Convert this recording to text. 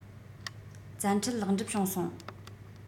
བཙན ཁྲིད ལེགས འགྲུབ བྱུང སོང